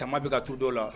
Caman bɛ ka tu dɔ la